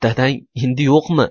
dadang endi yo'qmi